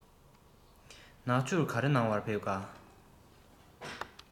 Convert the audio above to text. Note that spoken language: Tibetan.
ནག ཆུར ག རེ གནང བར ཕེབས ཀ